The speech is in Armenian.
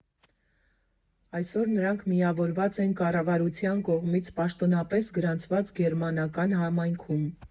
Այսօր նրանք միավորված են կառավարության կողմից պաշտոնապէս գրանցված գերմանական համայնքում։